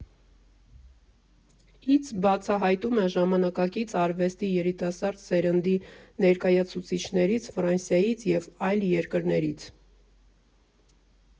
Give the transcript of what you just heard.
֊ից բացահայտում է ժամանակակից արվեստի երիտասարդ սերնդի ներկայացուցիչներին Ֆրանսիայից և այլ երկրներից։